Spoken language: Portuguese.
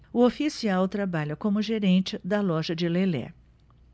o oficial trabalha como gerente da loja de lelé